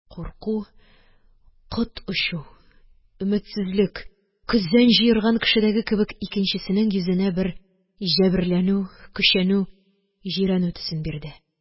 Курку, кот очу, өметсезлек, көзән җыерган кешедәге кебек, икенчесенең йөзенә бер җәберләнү, көчәнү, җирәнү төсен бирде.